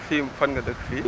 fii fan nga dëkk fii